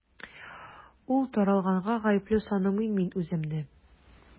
Ул таралганга гаепле саныймын мин үземне.